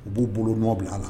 U b'u bolo nɔ bila a la